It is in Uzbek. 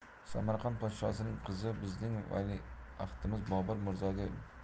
samarqand podshosining qizi bizning valiahdimiz bobur